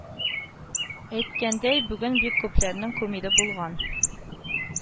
Әйткәндәй, бүген бик күпләрнең кумиры булган